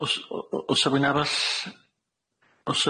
O's o- o- o's a rwyn arall?